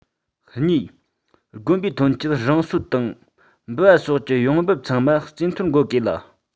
གཉིས དགོན པའི ཐོན སྐྱེད རང གསོ དང འབུལ བ སོགས ཀྱི ཡོང འབབ ཚང མ རྩིས ཐོར འགོད དགོས ལ